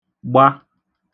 gba